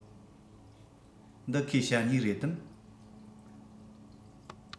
འདི ཁོའི ཞ སྨྱུག རེད དམ